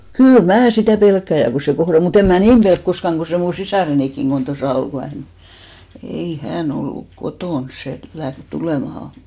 kyllä minä sitä pelkään ja kun se kohdalla on mutta en minä niin pelkää koskaan kun se minun sisarenikin kun tuossa oli kun hän ei hän ollut kotona se lähti tulemaan